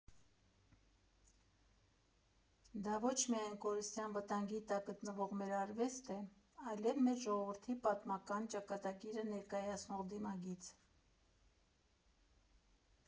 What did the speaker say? Դա ոչ միայն կորստյան վտանգի տակ գտնվող մի արվեստ է, այլև մեր ժողովրդի պատմական ճակատագիրը ներկայացնող դիմագիծ։